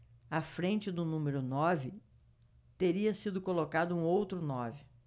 à frente do número nove teria sido colocado um outro nove